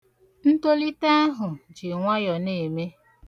Ntolite ya bụ nwayo.